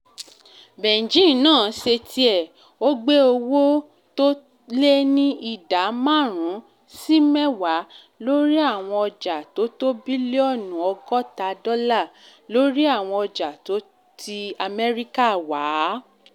Beijing náà ṣe tiẹ̀. Ó gbé owó tó lé ní ìdá márùn-ún sí mẹ́wàá lorí àwọn ọjà to tó bílíọ́nù 60 dọ́là lórí àwọn ọjà tó ti Amẹ́ríkà wá.